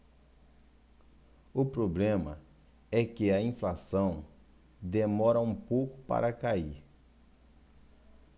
o problema é que a inflação demora um pouco para cair